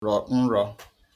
rọ̀ nrọ̄